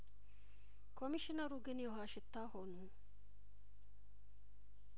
ኮሚሽነሩ ግን የውሀ ሽታ ሆኑ